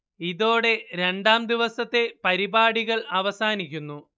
ഇതോടെ രണ്ടാം ദിവസത്തെ പരിപാടികള്‍ അവസാനിക്കുന്നു